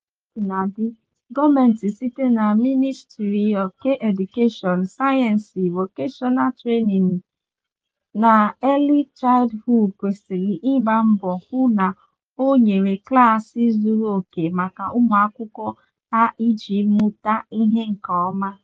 Kaosinadị, Gọọmenti site na Ministry of Education, Science, Vocational Training and Early Childhood kwesịrị ịgba mbọ hụ na ọ nyere klaasị zuru okè maka ụmụakwụkwọ a iji mụta ihe nke ọma.